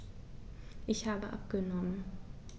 Ich habe abgenommen.